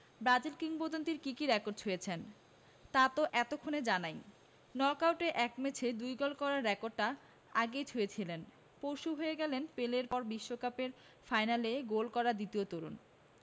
Brazil কিংবদন্তির কী কী রেকর্ড ছুঁয়েছেন তা তো এতক্ষণে জানাই নকআউটে এক ম্যাচে ২ গোল করার রেকর্ডটা আগেই ছুঁয়েছিলেন পরশু হয়ে গেলেন পেলের পর বিশ্বকাপের ফাইনালে গোল করা দ্বিতীয় তরুণ